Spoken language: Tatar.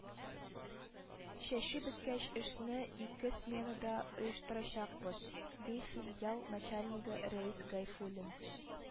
– чәчү беткәч, эшне ике сменада оештырачакбыз, – ди филиал начальнигы рәис гайфуллин